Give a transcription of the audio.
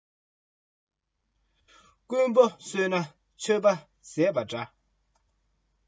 དུག སྦྲུལ བཞག ན མགོ ནག མི ལ གནོད